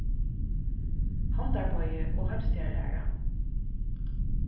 handarbeiði og heimstaðarlæra